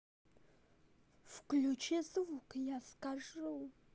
включи звук я скажу